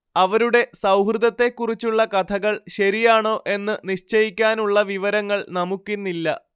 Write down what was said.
അവരുടെ സൗഹൃദത്തെക്കുറിച്ചുള്ള കഥകൾ ശരിയാണോ എന്ന് നിശ്ചയിക്കാനുള്ള വിവരങ്ങൾ നമുക്കിന്നില്ല